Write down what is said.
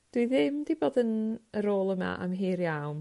dwi ddim 'di bod yn y rôl yma am hir iawn